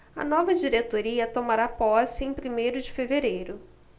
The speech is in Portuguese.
a nova diretoria tomará posse em primeiro de fevereiro